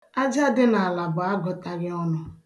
Aja dị n'ala bụ agụtaghị ọnụ